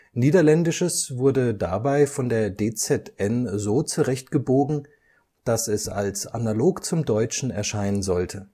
Niederländisches wurde dabei von der DZN so zurechtgebogen, dass es als analog zum Deutschen erscheinen sollte